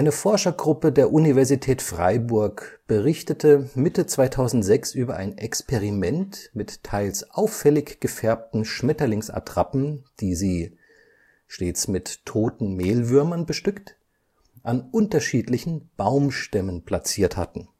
Forschergruppe der Universität Freiburg berichtete Mitte 2006 über ein Experiment mit teils auffällig gefärbten Schmetterlings-Attrappen, die sie – stets mit toten Mehlwürmern bestückt – an unterschiedlichen Baumstämmen platziert hatten